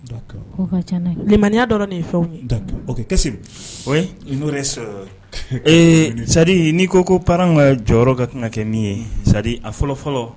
D'accord kow ka ca dɛ, limaniya dɔrɔn de ye fɛnw ye, d'accord, ok Kasimu, il nous reste e, c'est à dire n'i ko ko parent ka jɔyɔrɔ ka kan ka kɛ min ye c'est à dire a fɔlɔ_fɔlɔ